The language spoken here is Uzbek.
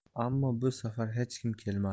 ammo bu safar xech kim kelmadi